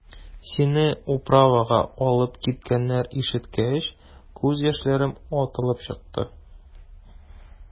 Сине «управа»га алып киткәннәрен ишеткәч, күз яшьләрем атылып чыкты.